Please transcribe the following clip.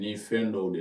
Ni'i fɛn dɔw o de ye